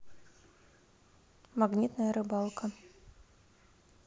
магнитная рыбалка